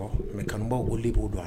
Mɛ kanubaw oli b'o dɔn la